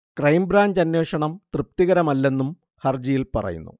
crime branch അന്വേഷണം തൃ്പതികരമല്ലെന്നും ഹർജിയിൽ പറയുന്നു